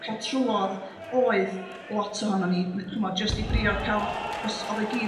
ca'l trŵodd oedd lot ohonon ni chm'od jyst i drio ca'l achos o'ddo i gyd